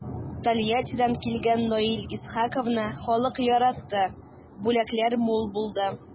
Тольяттидан килгән Наил Исхаковны халык яратты, бүләкләр мул булды.